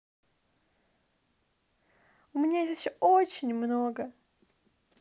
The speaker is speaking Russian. у меня есть очень много